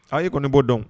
Ayi' kɔni ni bɔ dɔn